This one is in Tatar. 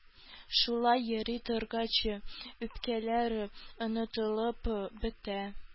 Шулай йөри торгач үпкәләр онытылып бетә.